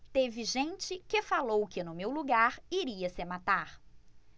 teve gente que falou que no meu lugar iria se matar